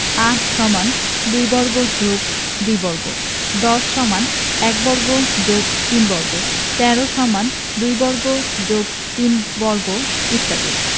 ৮ = ২ বর্গ + ২ বর্গ ১০ = ১ বর্গ + ৩ বর্গ ১৩ = ২ বর্গ + ৩ বর্গ ইত্যাদি